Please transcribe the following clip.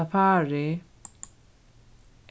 safari